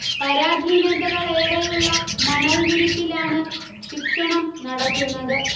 പരാധീനതകളേറെയുള്ള മണൽ വിരിപ്പിലാണ് ശിക്ഷണം നടത്തുന്നത്